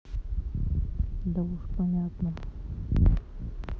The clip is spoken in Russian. да уж понятно